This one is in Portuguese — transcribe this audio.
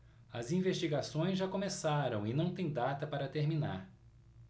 as investigações já começaram e não têm data para terminar